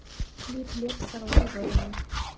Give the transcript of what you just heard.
клип лепс орлы или вороны